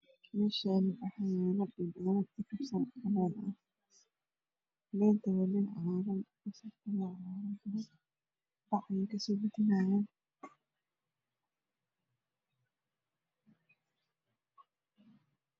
Meeshaan waxaa yaalo liin iyo kabsar caleen ah liinta waa liin cagaaran kabsartan way cagaaran tahay bac ayey ka soo bixinaayaan